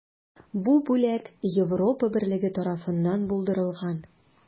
Бу бүләк Европа берлеге тарафыннан булдырылган.